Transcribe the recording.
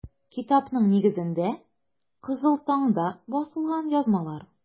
Китапның нигезендә - “Кызыл таң”да басылган язмалар.